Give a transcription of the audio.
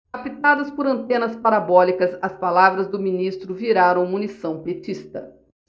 captadas por antenas parabólicas as palavras do ministro viraram munição petista